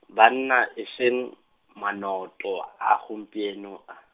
banna, e seng, manoto a gompieno a.